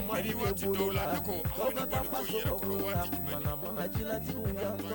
Taa